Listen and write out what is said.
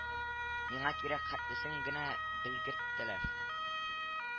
Миңа кирәк хәтлесен генә белгерттеләр